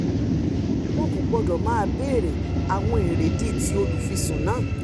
Wọn kò gbọdọ̀ máa béère àwọn èrèdí ti olùfisùn náà.